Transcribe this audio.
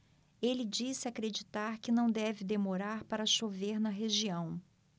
ele disse acreditar que não deve demorar para chover na região